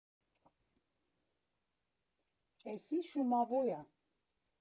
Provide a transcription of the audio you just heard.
֊ Էսի շումավոյ ա։